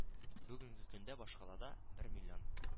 Бүгенге көндә башкалада бер миллион